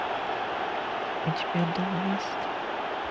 у тебя дом есть